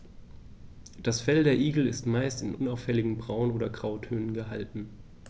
Das Fell der Igel ist meist in unauffälligen Braun- oder Grautönen gehalten.